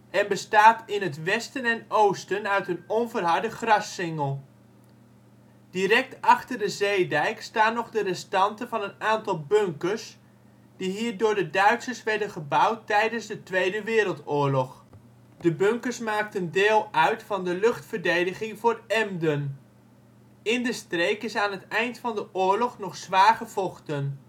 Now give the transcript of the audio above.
en bestaat in het westen en oosten uit een onverharde grassingel. Direct achter de zeedijk staan nog de restanten van een aantal bunkers die hier door de Duitsers werden gebouwd tijdens de Tweede Wereldoorlog. De bunkers maakten deel uit van de luchtverdediging voor Emden. In de streek is aan het eind van de oorlog nog zwaar gevochten